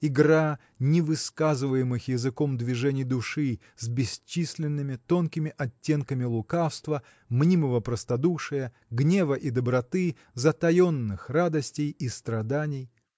игра не высказываемых языком движений души с бесчисленными тонкими оттенками лукавства мнимого простодушия гнева и доброты затаенных радостей и страданий.